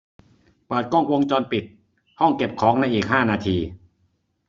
เปิดกล้องวงจรปิดห้องเก็บของในอีกห้านาที